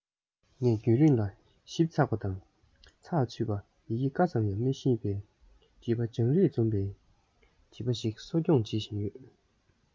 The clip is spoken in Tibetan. ངང རྒྱུད རིང ལ ཞིབ ཚགས པ ཞིབ ཚགས པ དང ཚགས ཚུད པ ཡི གེ ཀ ཙམ ཡང མི ཤེས པའི བྱིས པ སྦྱང རིག འཛོམས པའི བྱིས པ བྱིས པ ཞིག གསོ སྐྱོང བྱེད བཞིན ཡོད